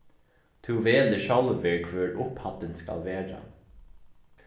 tú velur sjálvur hvør upphæddin skal vera